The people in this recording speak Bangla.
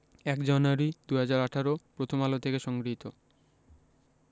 ০১ জানুয়ারি ২০১৮ প্রথম আলো থেকে সংগৃহীত